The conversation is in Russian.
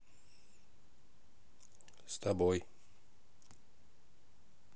с тобой